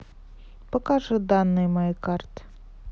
покажи данные моей карты